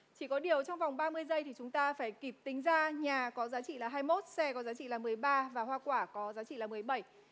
chỉ có điều trong vòng ba mươi giây thì chúng ta phải kịp tính ra nhà có giá trị là hai mốt xe có giá trị là mười ba và hoa quả có giá trị là mười bảy